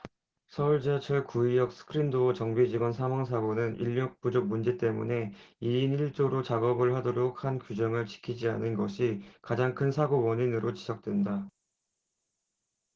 서울지하철 구의역 스크린도어 정비 직원 사망 사고는 인력부족 문제 때문에 이 인 일 조로 작업을 하도록 한 작업규정을 지키지 않은 것이 가장 큰 사고원인으로 지적된다